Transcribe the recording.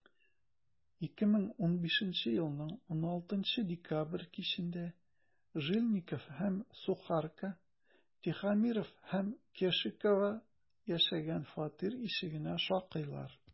2015 елның 16 декабрь кичендә жильников һәм сухарко тихомиров һәм кешикова яшәгән фатир ишегенә шакыйлар.